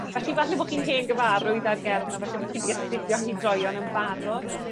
Felly falle bo' chi'n hen gyfarwydd â'r gerdd 'ma, falle bo' chi 'di astudio hi droeon yn barod.